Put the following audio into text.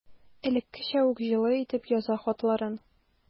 Элеккечә үк җылы итеп яза хатларын.